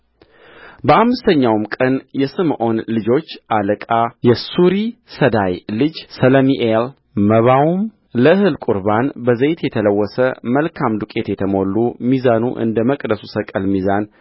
በአምስተኛውም ቀን የስምዖን ልጆች አለቃ የሱሪሰዳይ ልጅ ሰለሚኤልመባውም ለእህል ቍርባን በዘይት የተለወሰ መልካም ዱቄት የተሞሉ ሚዛኑ እንደ መቅደሱ ሰቅል ሚዛን